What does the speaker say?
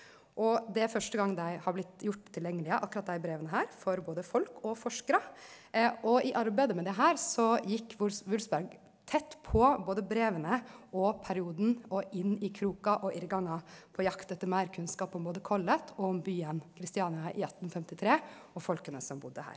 og det er første gong dei har blitt gjort tilgjengelege akkurat dei breva her for både folk og forskarar og i arbeidet med det her så gjekk Wulfsberg tett på både breva og perioden og inn i krokar og labyrinter på jakt etter meir kunnskap om både Collett og om byen Christiania i 1853 og folka som budde her.